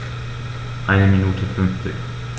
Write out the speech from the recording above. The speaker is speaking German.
Eine Minute 50